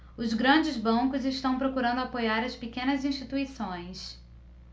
os grandes bancos estão procurando apoiar as pequenas instituições